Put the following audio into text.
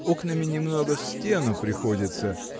– окнами немного в стену приходится